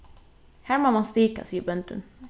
har má mann stika sigur bóndin